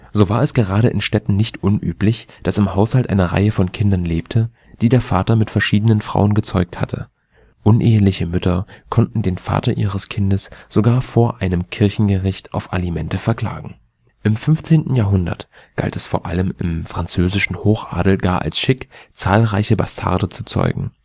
So war es gerade in Städten nicht unüblich, dass im Haushalt eine Reihe von Kindern lebte, die der Vater mit verschiedenen Frauen gezeugt hatte. Uneheliche Mütter konnten den Vater ihres Kindes sogar vor einem Kirchengericht auf Alimente verklagen. Im 15. Jahrhundert galt es vor allem im französischen Hochadel gar als schick, zahlreiche Bastarde zu zeugen